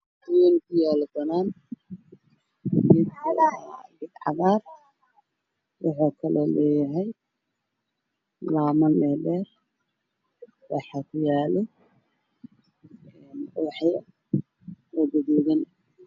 Waxaa ii muuqda geed weyn cagaar ah caleemihiisa guduud jaalle yihiin guri ka danbeeyo tarbiyadu yahay dahabi dahabi